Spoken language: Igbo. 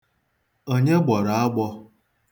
Onye gbọrọ agbọ?